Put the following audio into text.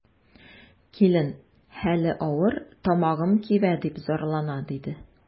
Килен: хәле авыр, тамагым кибә, дип зарлана, диде.